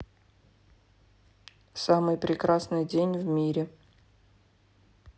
самый прекрасный день в мире